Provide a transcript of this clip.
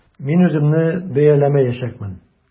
Мин үземне бәяләмәячәкмен.